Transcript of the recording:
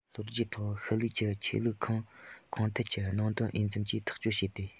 ལོ རྒྱུས ཐོག ཤུལ ལུས ཀྱི ཆོས ལུགས ཁང ཁོངས ཐད ཀྱི གནད དོན འོས འཚམ གྱིས ཐག གཅོད བྱས ཏེ